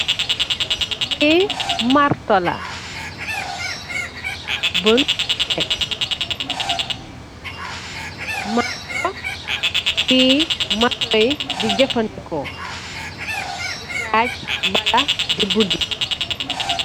Li martó la buñ tek, martó li masong yi jafandiko di daaj Wala di budi.